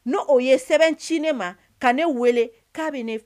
N o ye sɛbɛnc ne ma ka ne wele k'a bɛ ne